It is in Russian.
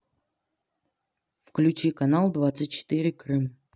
включи канал двадцать четыре крым